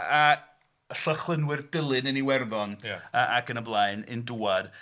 A llychlynwyr Dulyn yn Iwerddon, ac yn y blaen yn dŵad.